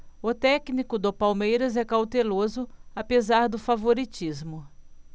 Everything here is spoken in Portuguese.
o técnico do palmeiras é cauteloso apesar do favoritismo